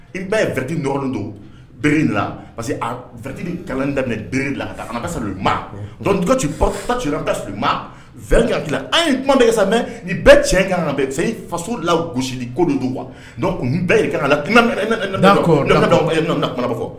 I bɛɛ ye vti don bere la parce que vtti kalan daminɛ bere la fa an i ma v an ye kuma bɛ kɛ sa mɛ nin bɛɛ cɛ kan faso la gosi ko don wa bɛɛ ye ka ka kumaba kɔ